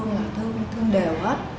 thương đều hớt